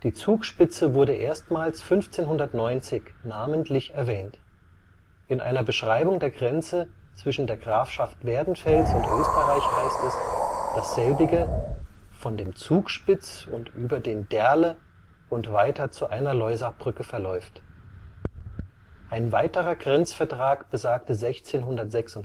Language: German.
Zugspitze wurde erstmals 1590 namentlich erwähnt. In einer Beschreibung der Grenze zwischen der Grafschaft Werdenfels und Österreich heißt es, dass selbige „ von dem Zugspitz und über den Derle “und weiter zu einer Loisach-Brücke verläuft. Ein weiterer Grenzvertrag besagte 1656